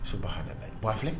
Soba hala ba filɛ